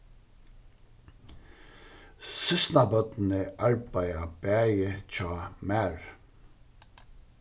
systkinabørnini arbeiða bæði hjá mær